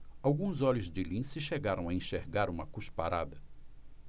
alguns olhos de lince chegaram a enxergar uma cusparada